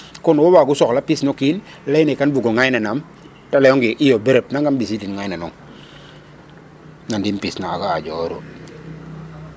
Kon wo waagu soxla pis no kiin lay ne kan bug o ŋaaynanaam ta layonge iyo bereb nangam o ɓisiid um ŋaaynanong ŋaayin pis maga ajo'ooru.